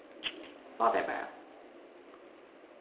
fá tær bara